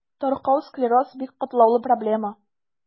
Таркау склероз – бик катлаулы проблема.